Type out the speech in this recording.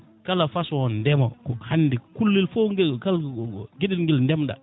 kala façon ndeema hande kullel fo guel kal gueɗel guel ndeemɗa